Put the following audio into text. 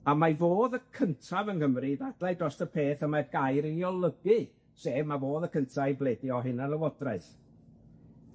a mai fo o'dd y cyntaf yng Nghymru i ddadlau dros y peth y mae'r gair yn 'i olygu, sef ma' fo o'dd y cynta i bledio hunan lywodraeth.